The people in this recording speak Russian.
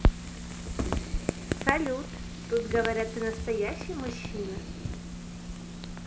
салют тут говорят ты настоящий мужчина